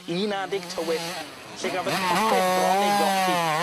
Un adeg tywyll lle gafodd popeth bron ei golli.